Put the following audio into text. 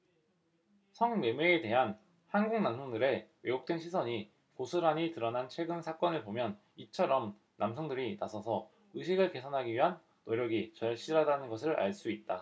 성 매매에 대한 한국 남성들의 왜곡된 시선이 고스란히 드러난 최근 사건을 보면 이처럼 남성들이 나서서 의식을 개선하기 위한 노력이 절실하다는 것을 알 수 있다